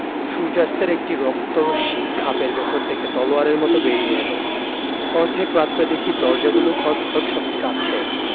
সূর্য্যাস্তের একটা রক্ত রশ্মি খাপের ভেতর থেকে তলোয়ারের মত বেরিয়ে এল অর্ধেক রাত্রে দেখি দরজাগুলো খটখট শব্দে কাঁপছে